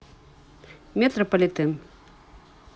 метрополитен